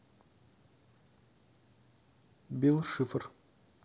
билл шифр